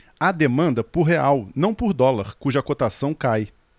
há demanda por real não por dólar cuja cotação cai